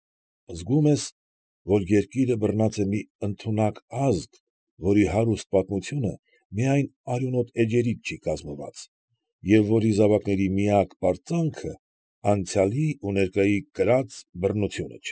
Զգում ես, որ երկիրը բռնած է մի ընդունակ ազգ, որի հարուստ պատմությունը միայն արյունոտ էջերից չի կազմված, և որի զավակների միակ պարծանքը անցյալի ու ներկայի կրած բռնությունը։